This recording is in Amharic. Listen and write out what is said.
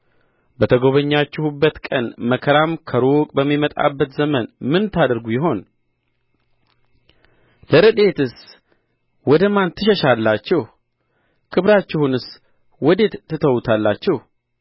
በተጎበኛችሁበት ቀን መከራም ከሩቅ በሚመጣበት ዘመን ምን ታደርጉ ይሆን ለረድኤትስ ወደ ማን ትሸሻላችሁ ክብራችሁንስ ወዴት ትተዉታላችሁ